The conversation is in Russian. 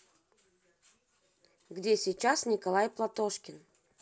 где сейчас николай платошкин